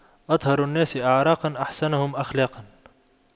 أطهر الناس أعراقاً أحسنهم أخلاقاً